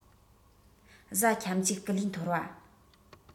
གཟའ ཁྱབ འཇུག སྐུ ལུས ཐོར བ